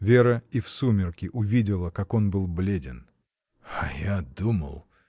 Вера и в сумерки увидела, как он был бледен. — А я думал.